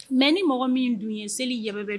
Mais ni mɔgɔ min dun ye seli